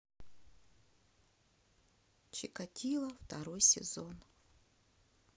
чикатило второй сезон